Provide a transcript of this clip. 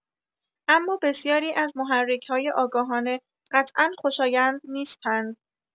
اما بسیاری از محرک‌های آگاهانه قطعا خوشایند نیستند.